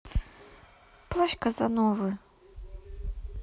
плащ казановы